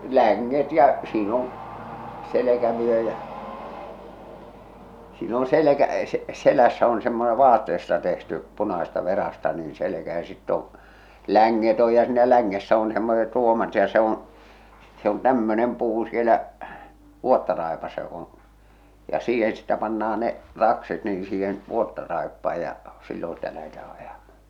länget ja siinä on selkävyö ja siinä on - selässä on semmoinen vaatteesta tehty punaisesta verasta niin selkä ja sitten on länget on ja siinä längessä on semmoiset ruomat ja se on se on tämmöinen puu siellä vuottaraipassa joka on ja siihen sitten pannaan ne rakset niin siihen vuottaraippaan ja silloin sitä lähdetään ajamaan